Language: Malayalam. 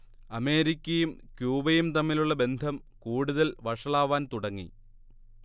അമേരിക്കയും ക്യൂബയും തമ്മിലുള്ള ബന്ധം കൂടുതൽ വഷളാവാൻ തുടങ്ങി